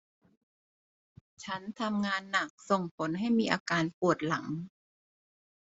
ฉันทำงานหนักส่งผลให้มีอาการปวดหลัง